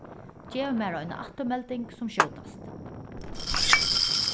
gev mær eina afturmelding sum skjótast